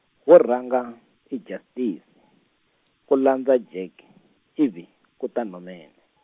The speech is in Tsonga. wo rhanga, i Justice, ku landza Jack, ivi ku ta Norman.